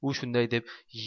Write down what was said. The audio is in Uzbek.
u shunday deb